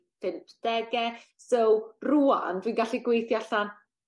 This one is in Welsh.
pump dege so rŵan dwi'n gallu gweithio allan